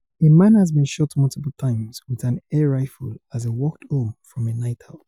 A man has been shot multiple times with an air rifle as he walked home from a night out.